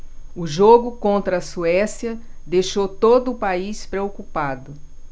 o jogo contra a suécia deixou todo o país preocupado